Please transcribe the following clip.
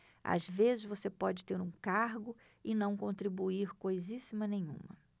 às vezes você pode ter um cargo e não contribuir coisíssima nenhuma